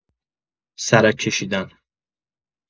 سرک کشیدن